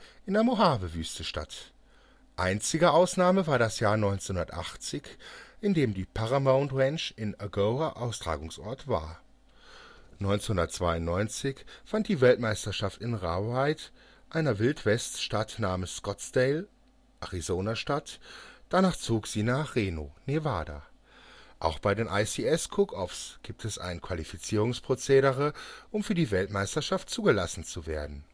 in der Mohave-Wüste statt – einzige Ausnahme war das Jahr 1980, in dem die Paramount Ranch in Agoura Austragungsort war. 1992 fand die Weltmeisterschaft in Rawhide, einer Wild-Weststadt nahe Scottsdale (Arizona) statt, danach zog sie nach Reno (Nevada). Auch bei den ICS Cook Offs gibt es ein Qualifizierungsprozedere, um für die Weltmeisterschaft zugelassen zu werden